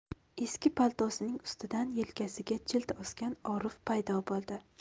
eski paltosining ustidan yelkasiga jild osgan orif paydo bo'ldi